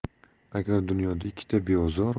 agar dunyoda ikkita beozor